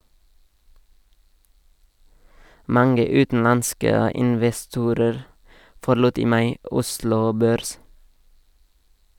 Mange utenlandske investorer forlot i mai Oslo Børs.